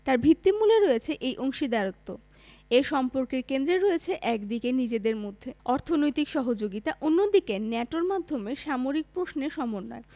তার ভিত্তিমূলে রয়েছে এই অংশীদারত্ব এই সম্পর্কের কেন্দ্রে রয়েছে একদিকে নিজেদের মধ্যে অর্থনৈতিক সহযোগিতা অন্যদিকে ন্যাটোর মাধ্যমে সামরিক প্রশ্নে সমন্বয়